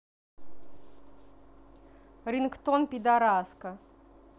рингтон пидараска